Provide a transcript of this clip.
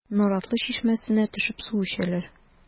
Наратлы чишмәсенә төшеп су эчәләр.